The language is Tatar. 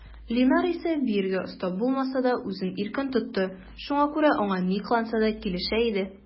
Линар исә, биергә оста булмаса да, үзен иркен тотты, шуңа күрә аңа ни кыланса да килешә иде.